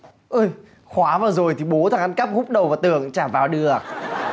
ưi khóa vào rồi thì bố thằng ăn cắp húc đầu vào tường chả vào được